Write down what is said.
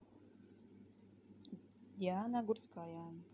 диана гурцкая